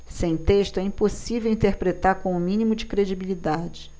sem texto é impossível interpretar com o mínimo de credibilidade